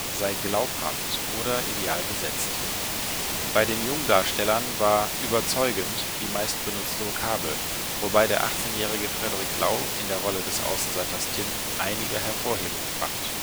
sei „ glaubhaft “oder ideal besetzt. Bei den Jungdarstellern war „ überzeugend “die meistbenutzte Vokabel, wobei der 18-jährige Frederick Lau in der Rolle des Außenseiters Tim einige Hervorhebung fand